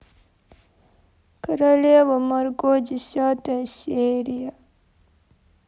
королева марго десятая серия